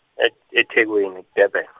e- eThekwini Durban.